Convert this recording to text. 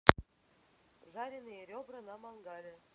жареные ребра на мангале